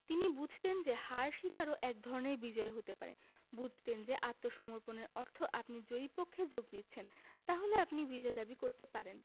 তিনি বুঝতেন যে হার স্বীকারও একধরনের বিজয় হতে পারে বুঝতেন যে আত্মসমর্পণের অর্থ আপনি জয়ী পক্ষে যোগ দিচ্ছেন তাহলে আপনি বিজয় দাবি করতে পারেন